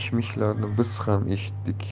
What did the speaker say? biz ham eshitdik